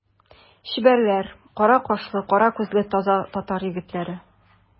Чибәрләр, кара кашлы, кара күзле таза татар егетләре.